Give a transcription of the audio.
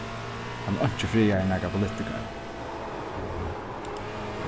hann er einki frægari enn nakar politikari